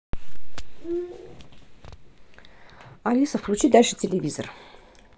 алиса включи дальше телевизор